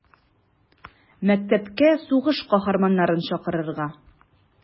Мәктәпкә сугыш каһарманнарын чакырырга.